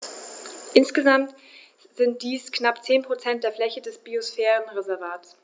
Insgesamt sind dies knapp 10 % der Fläche des Biosphärenreservates.